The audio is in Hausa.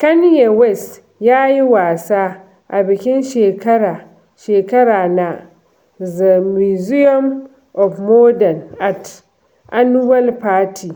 Kanye West ya yi wasa a bikin shekara-shekara na The Museum of Modern Art's annual Party